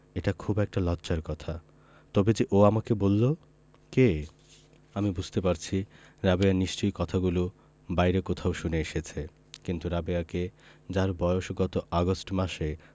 এটা খুব একটা লজ্জার কথা তবে যে ও আমাকে বললো কে আমি বুঝতে পারছি রাবেয়া নিশ্চয়ই কথাগুলি বাইরে কোথাও শুনে এসেছে কিন্তু রাবেয়াকে যার বয়স গত আগস্ট মাসে